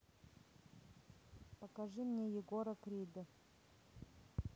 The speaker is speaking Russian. покажи мне егора крида